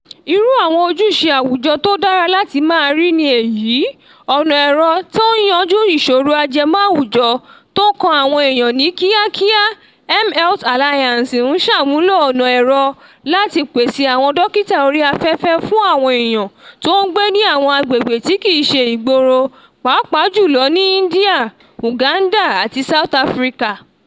“Irú awọn ojùṣe àwùjọ tó dára láti máa rí ni èyí — ọ̀nà ẹ̀rọ̀ tó ń yànjú ìṣòrò ajẹmọ́ awujọ to kan àwọn eèyàn ní kíákíá … mHealth Alliance ń ṣàmúlò ọ̀nà ẹ̀rọ láti pèsè àwọn dókìtà orí afẹ́fẹ́ fún àwọn eèyàn tó n gbé ní àwọn agbègbè tí kìí ṣe ìgboro, pàápàá jùlọ ní Indian, Uganda àti South Africa.